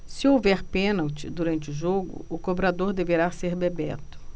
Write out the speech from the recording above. se houver pênalti durante o jogo o cobrador deverá ser bebeto